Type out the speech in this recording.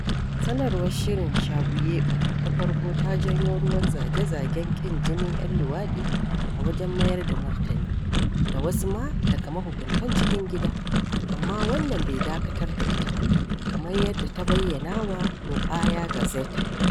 Sanarwar shirin Shabuyeɓa ta farko ta janyo ruwan zage-zagen ƙin jinin 'yan luwaɗi a wajen mayar da martani, da wasu ma daga mahukuntan cikin gida, amma wannan bai dakatar da ita ba, kamar yadda ta bayyanawa Noɓaya Gazeta.